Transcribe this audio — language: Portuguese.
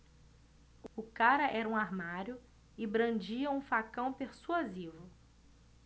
o cara era um armário e brandia um facão persuasivo